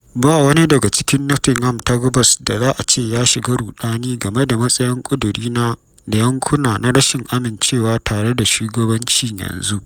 Ba wani daga cikin Nottingham ta Gabas da za a ce ya shiga ruɗani game da matsayin ƙudurina da yankuna na rashin amincewa tare da shugabancin yanzu.